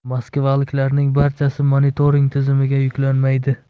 moskvaliklarning barchasi monitoring tizimiga yuklanmaydi